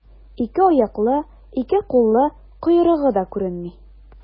Ике аяклы, ике куллы, койрыгы да күренми.